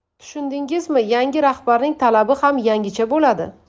tushundingizmi yangi rahbarning talabi ham yangicha bo'ladi